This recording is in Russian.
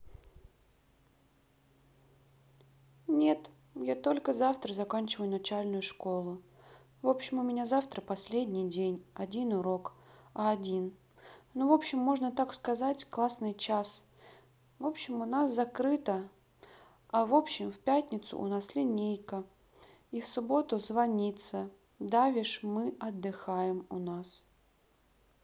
нет я только завтра заканчиваю начальную школу в общем у меня завтра последний день один урок а один ну в общем можно так сказать классный час в общем у нас закрыто а в общем в пятницу у нас линейка и в субботу звониться давишь мы отдыхаем у нас